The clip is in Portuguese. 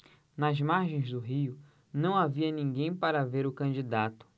nas margens do rio não havia ninguém para ver o candidato